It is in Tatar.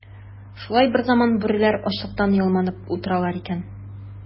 Шулай берзаман бүреләр ачлыктан ялманып утыралар икән.